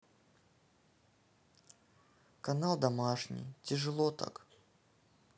канал домашний тяжело так